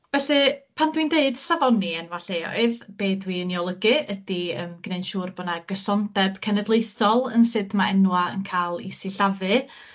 Felly, pan dwi'n deud safoni enwa' lleoedd, be' dwi'n 'i olygu ydi yym gneud 'n siŵr bo' 'na gysondeb cenedlaethol yn sud ma' enwa' yn ca'l 'u sillafu